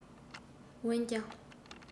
འོན ཀྱང